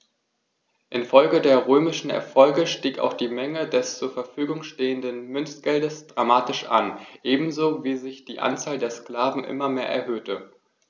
Infolge der römischen Erfolge stieg auch die Menge des zur Verfügung stehenden Münzgeldes dramatisch an, ebenso wie sich die Anzahl der Sklaven immer mehr erhöhte.